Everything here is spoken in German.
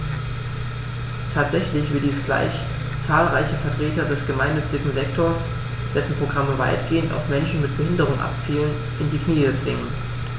Tatsächlich wird dies gleich zahlreiche Vertreter des gemeinnützigen Sektors - dessen Programme weitgehend auf Menschen mit Behinderung abzielen - in die Knie zwingen.